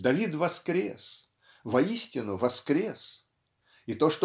Давид воскрес, воистину воскрес. И то